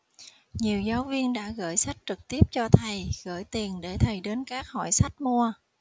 nhiều giáo viên đã gửi sách trực tiếp cho thầy gửi tiền để thầy đến các hội sách mua